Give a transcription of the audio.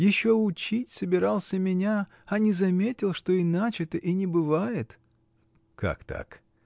Еще учить собирался меня, а не заметил, что иначе-то и не бывает. — Как так?